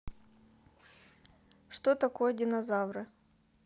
что такое динозавры